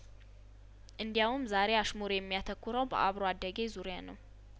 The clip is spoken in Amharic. እንዲያውም ዛሬ አሽሙሬ የሚያተኩረው በአብሮ አደጌ ዙሪያነው